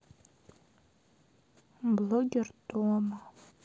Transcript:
блогер тома